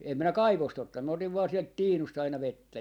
en minä kaivosta ottanut minä otin vain sieltä tiinusta aina vettä